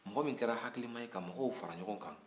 mɔgɔ min kɛra hakilima ye ka mɔgɔw fara ɲɔgɔn kan